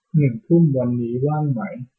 หนึ่งทุ่มวันนี้ว่างไหม